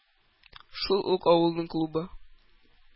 Шул ук авылның клубы.